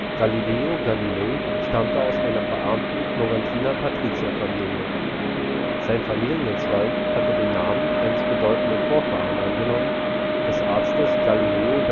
Galileo Galilei stammte aus einer verarmten Florentiner Patrizierfamilie. Sein Familienzweig hatte den Namen eines bedeutenden Vorfahren angenommen, des Arztes Galileo